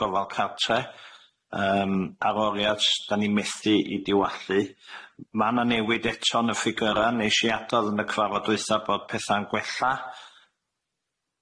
gofal cartre yym ar oriat da ni methu i di wallu ma' na newid eto yn y ffigyra neis i adodd yn y cyfarfod dwytha bod petha'n gwella,